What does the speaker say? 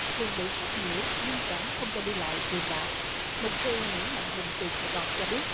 thường bị sách nhiễu ngăn cản không cho đi lại truyền đạo mục sư nguyễn mạnh hùng từ sài gòn cho biết